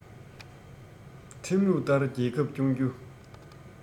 ཁྲིམས ལུགས ལྟར རྒྱལ ཁབ སྐྱོང རྒྱུ